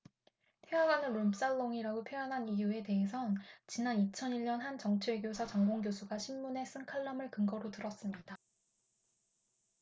태화관을 룸살롱이라고 표현한 이유에 대해선 지난 이천 일 년 한 정치외교사 전공 교수가 신문에 쓴 칼럼을 근거로 들었습니다